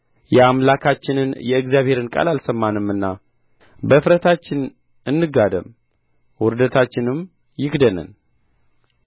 የአምላካችንንም የእግዚአብሔርን ቃል አልሰማንምና በእፍረታችን እንጋደም ውርደታችንም ይክደነን